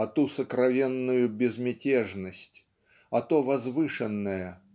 о ту сокровенную безмятежность о то возвышенное